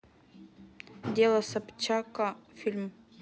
дело собчака фильм